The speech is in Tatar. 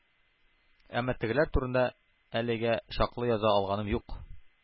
Әмма тегеләр турында әлегә чаклы яза алганым юк.